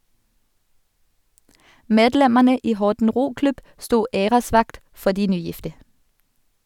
Medlemmene i Horten roklubb sto æresvakt for de nygifte.